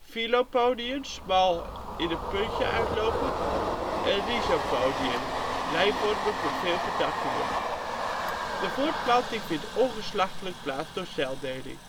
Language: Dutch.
Filopodien: smal in een punt uitlopend Rhizopodien: lijnvormig met veel vertakkingen De voortplanting vindt ongeslachtelijk plaats door celdeling